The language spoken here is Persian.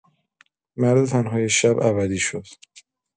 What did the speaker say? مرد تن‌های شب ابدی شد.